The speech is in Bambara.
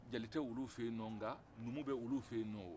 jeli tɛ olu fɛ yenɔn nka numu bɛ olu fɛ yen o